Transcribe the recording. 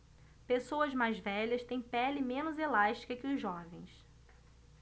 pessoas mais velhas têm pele menos elástica que os jovens